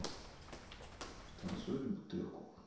танцует бутырку